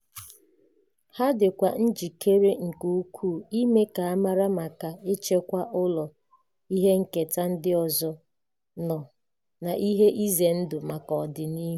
Ha dị kwa njikere nke ukwuu ime ka a mara maka ichekwa ụlọ ihe nketa ndị ọzọ nọ n'ihe ize ndụ maka ọdịnihu.